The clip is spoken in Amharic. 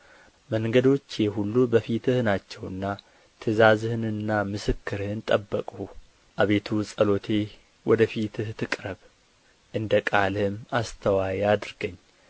መንገዶቼ ሁሉ በፊትህ ናቸውና ትእዛዝህንና ምስክርህን ጠበቅሁ አቤቱ ጸሎቴ ወደ ፊትህ ትቅረብ እንደ ቃልህም አስተዋይ አድርገኝ